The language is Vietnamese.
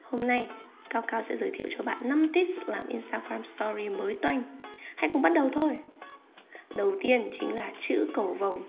hôm nay cao cao sẽ giới thiệu cho bạn tips làm instagram story mới toanh hãy cùng bắt đầu thôi đầu tiên chính là chữ cầu vồng